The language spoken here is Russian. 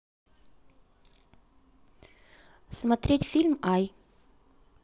смотреть фильмы ауе